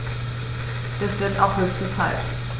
Das wird auch höchste Zeit!